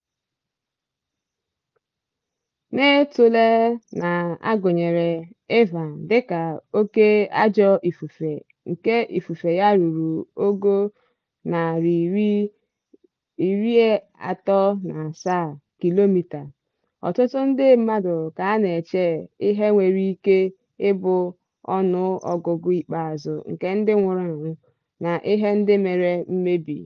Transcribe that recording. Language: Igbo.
N'itule na a gụnyere Ivan dịka oke ajọ ifufe nke ifufe ya rụrụ ogo 137 km/h, ọtụtụ ndị mmadụ ka na-eche ihe nwere ike ịbụ ọnụ ọgụgụ ikpeazụ nke ndị nwụrụ anwụ na ihe ndị mere mmebi.